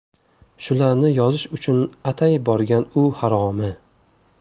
shularni yozish uchun atay borgan u haromi